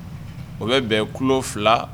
O bɛ bɛn kilo fila